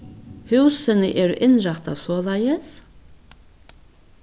húsini eru innrættað soleiðis